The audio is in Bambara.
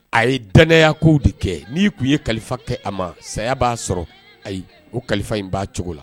A ye danya ko de kɛ ni' tun ye kalifa kɛ a ma saya b'a sɔrɔ ayi o kalifa in b'a cogo la